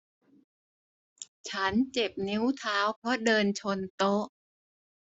ฉันเจ็บนิ้วเท้าเพราะเดินชนโต๊ะ